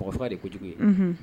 Fa de ye ko kojugu